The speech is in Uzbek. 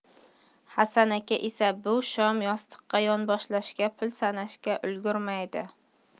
hasan aka esa bu shom yostiqqa yonboshlashga pul sanashga ulgurmaydi